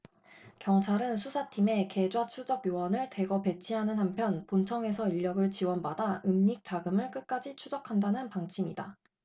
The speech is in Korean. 경찰은 수사팀에 계좌추적 요원을 대거 배치하는 한편 본청에서 인력을 지원받아 은닉 자금을 끝까지 추적한다는 방침이다